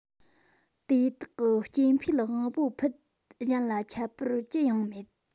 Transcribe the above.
དེ དག གི སྐྱེ འཕེལ དབང པོ ཕུད གཞན ལ ཁྱད པར ཅི ཡང མེད